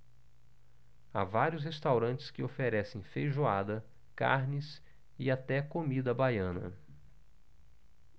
há vários restaurantes que oferecem feijoada carnes e até comida baiana